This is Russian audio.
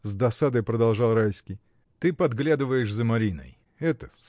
— с досадой продолжал Райский, — ты подглядываешь за Мариной: это.